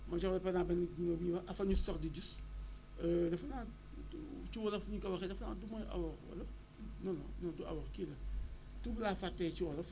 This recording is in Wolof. mooy genre par exemple benn gunóor bu ñuy wax aphanus sordidus defenaa ci wolof nu ñu koy waxee du mooy awoor wala non non non du awoor kii la tur bi laa fàtte ci wolof